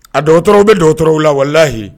A dɔw dɔgɔtɔrɔw bɛ dɔw dɔgɔtɔrɔw la walahi